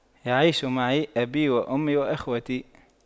يعيش معي أبي وأمي وأخوتي